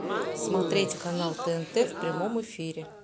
смотреть канал тнт в прямом эфире